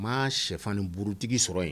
Maa sɛfan ni burutigi sɔrɔ yen